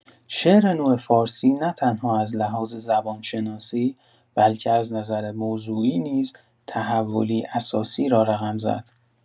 شعر نو فارسی نه‌تنها از لحاظ زبان‌شناسی، بلکه از نظر موضوعی نیز تحولی اساسی را رقم زد.